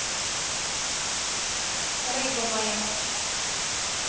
рыба моя